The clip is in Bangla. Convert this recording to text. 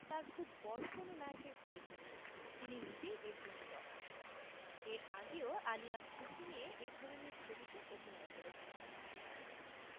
তার খুব বড় কোনো নায়কের প্রয়োজন নেই তিনি নিজেই এর জন্য যথেষ্ট এর আগেও আলিয়া ঝুঁকি নিয়ে এ ধরনের ছবিতে অভিনয় করেছেন